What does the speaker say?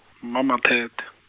Mmamathethe.